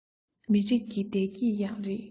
མི རིགས ཀྱི བདེ སྐྱིད ཡང རེད